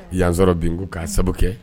Yansɔrɔ bi nko k'a sababu kɛ.